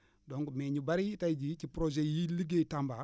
donc mais ñu bari tey jii ci projet yii di liggéey Tamba